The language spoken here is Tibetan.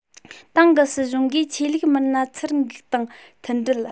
ཏང དང སྲིད གཞུང གིས ཆོས ལུགས མི སྣ ཚུར འགུག དང མཐུན སྒྲིལ